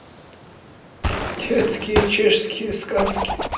детские чешские сказки